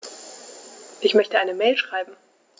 Ich möchte eine Mail schreiben.